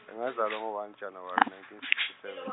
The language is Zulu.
ngazalwa no one January, nineteen sixty seven.